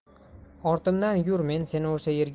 ortimdan yur men seni o'sha